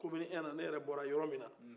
komini i nan ne yɛrɛ bɔra yɔrɔ min na